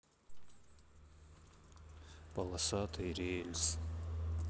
полосатый рельс